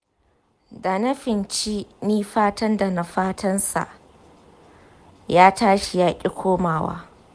dana finci ni fatan dana fatansa ya tashi yaki komawa.